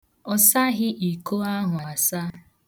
Ọ saghị iko ahụ asa.